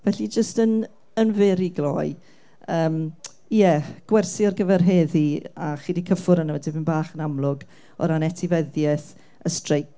Felly, jyst yn yn fyr i gloi yym ie, gwersi ar gyfer heddi, a chi 'di cyffwrdd arno fe dipyn bach yn amlwg o ran etifeddiaeth, y streic,